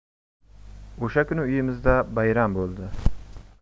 o'sha kuni uyimizda bayram bo'ldi